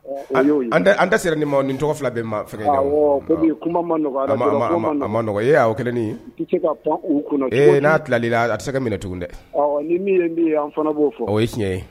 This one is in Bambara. An tɛ siran nin ma nin tɔgɔ fila bɛ ma fɛ maɔgɔn e kɛlen nin ee n'a tilalila a tɛ se ka minɛ tugun dɛ o ye tiɲɛ ye